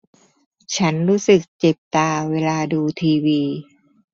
ฉันรู้สึกเจ็บตาเวลาดูทีวี